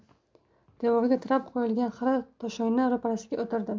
devorga tirab qo'yilgan xira toshoyna ro'parasiga o'tirdim